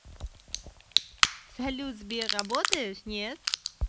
салют сбер работаешь нет